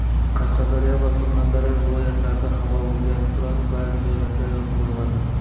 qashqadaryo va surxondaryo viloyatlarida havo o'zgarib turadi ba'zi joylarda yomg'ir yog'adi